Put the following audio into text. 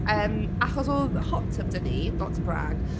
Yym, achos oedd hot tub 'da ni not to brag.